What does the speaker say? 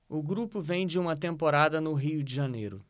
o grupo vem de uma temporada no rio de janeiro